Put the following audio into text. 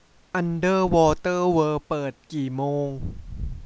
อันเดอร์วอเตอร์เวิล์ดเปิดกี่โมง